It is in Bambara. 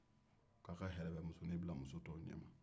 ko aw ka hɛrɛ bɛ ne bila muso muso tɔw ɲɛman